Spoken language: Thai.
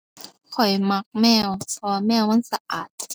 ข้อยมักแมว เพราะว่าแมวมันสะอาด